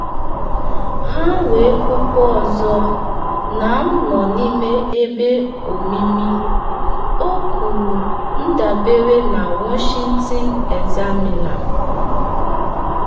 Ha wee kwukwa ọzọ, na m nọ n’ime ebe omimi.” o kwuru, dabere na Washington Examiner.